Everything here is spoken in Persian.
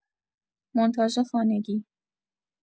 مونتاژ خانگی